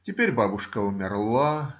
Теперь бабушка умерла.